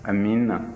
amiina